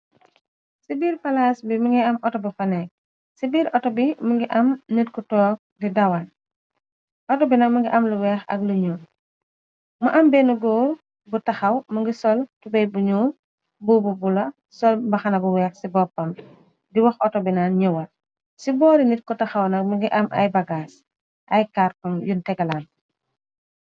Si biir palaas bi mi ngi am auto bu faneek, ci biir auto bi mungi am nit ku toog di dawal, auto bi mu ngi am lu weex ak lu ñuul, mu am benne góor bu taxaw mu ngi sol tubey bu ñuul, mbuubu bu bula, sol baxana bu weex ci boppam, di wax auto bine ñëwal, ci boori nit ko taxaw nak mi ngi am ay bagaas ay karton yun tegalante.